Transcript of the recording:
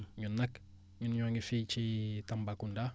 ñun nag ñoo ngi fii ci Tambacounda